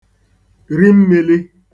ri mmīlī